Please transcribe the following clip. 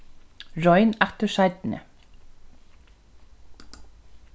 royn aftur seinni